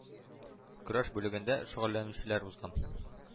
Көрәш бүлегендә шөгыльләнүчеләр узган